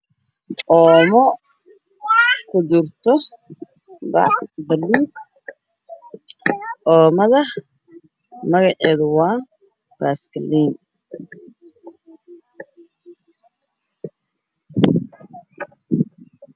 Oomo ku jurta bac buluug oo mada magaceedu waa toob